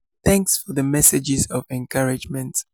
Thanks for the messages of encouragement!"